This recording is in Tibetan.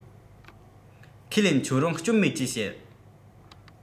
ཁས ལེན ཁྱེད རང བསྐྱོན མེད ཅེས བཤད